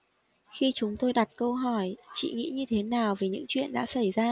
khi chúng tôi đặt câu hỏi chị nghĩ như thế nào về những chuyện đã xảy ra